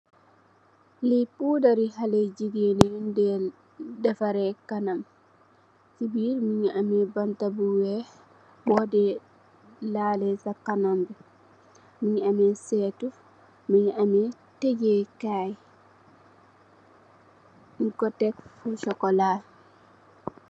Li podari xale jigeen yun deh defare kanam si birr mogi ameh banta bu weex bode lale sa kanam mongi amex seetu mongi ame dege kai nyun ko tek fu cxocola.